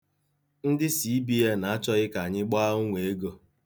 Ndị CBN achọghị ka anyị gbaa onwe ego.